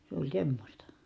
se oli semmoista